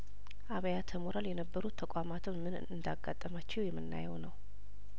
አብያተሞራል የነበሩ ተቋማትም ምን እንዳጋጠማቸው የምናየው ነው